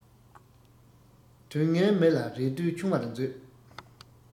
དུང ངན མི ལ རེ ལྟོས ཆུང བར མཛོད